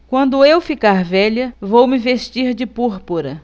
quando eu ficar velha vou me vestir de púrpura